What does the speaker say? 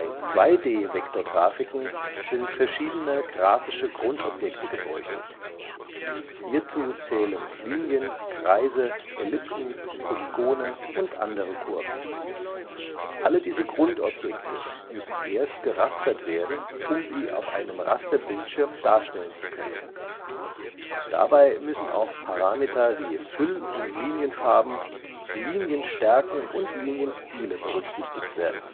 2D-Vektorgrafiken sind verschiedene grafische Grundobjekte gebräuchlich. Hierzu zählen Linien, Kreise, Ellipsen, Polygone und andere Kurven. Alle diese Grundobjekte müssen erst gerastert werden, um sie auf einem Rasterbildschirm darstellen zu können. Dabei müssen auch Parameter wie Füll - und Linienfarben, Linienstärken und Linienstile berücksichtigt werden